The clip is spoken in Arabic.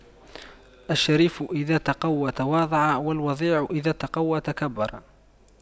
الشريف إذا تَقَوَّى تواضع والوضيع إذا تَقَوَّى تكبر